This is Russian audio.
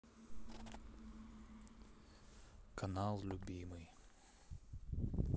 канал любимый